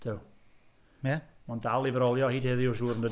Duw... Ie ... Mae'n dal i frolio hyd heddiw, siŵr yn dydy?